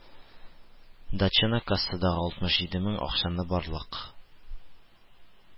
Дачаны, кассадагы алтмыш җиде мең акчаны барлык